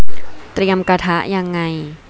เตรียมกระเทียมยังไง